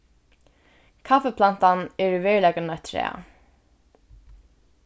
kaffiplantan er í veruleikanum eitt træ